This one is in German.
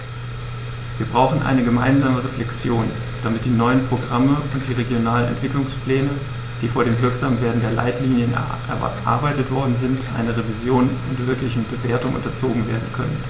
Wir brauchen eine gemeinsame Reflexion, damit die neuen Programme und die regionalen Entwicklungspläne, die vor dem Wirksamwerden der Leitlinien erarbeitet worden sind, einer Revision und wirklichen Bewertung unterzogen werden können.